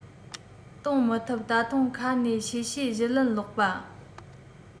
གཏོང མི ཐུབ ད དུང ཁ ནས གཤེ གཤེ གཞུ ལན སློག པ